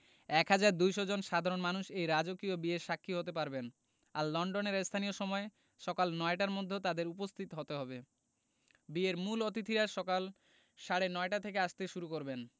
১হাজার ২০০ জন সাধারণ মানুষ এই রাজকীয় বিয়ের সাক্ষী হতে পারবেন আর লন্ডনের স্থানীয় সময় সকাল নয়টার মধ্যে তাঁদের উপস্থিত হতে হবে বিয়ের মূল অতিথিরা সকাল সাড়ে নয়টা থেকে আসতে শুরু করবেন